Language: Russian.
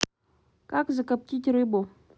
как закоптить рыбу